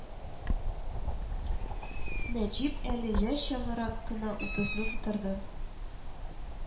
Нәҗип әле яшь, яңарак кына утызны тутырды